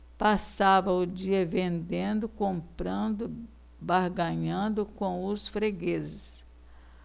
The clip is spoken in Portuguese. passava o dia vendendo comprando barganhando com os fregueses